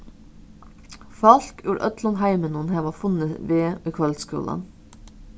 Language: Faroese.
fólk úr øllum heiminum hava funnið veg í kvøldskúlan